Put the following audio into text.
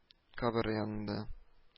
Кабере янында